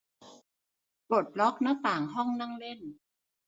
ปลดล็อกหน้าต่างห้องนั่งเล่น